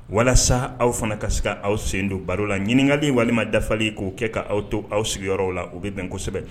Walasa aw fana ka se aw sen don baro la ɲininkakali walima dafali k'o kɛ k'aw to aw sigiyɔrɔ la u bɛ bɛn kosɛbɛ